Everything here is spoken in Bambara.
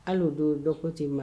Hali don dɔgɔkun tɛ ma